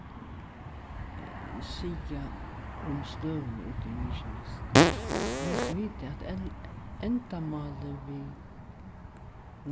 siga um støðuna úti í mykines vit vita at endamálið við